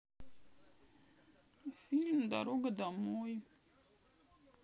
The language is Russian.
фильм дорога домой